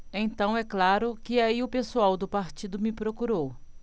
então é claro que aí o pessoal do partido me procurou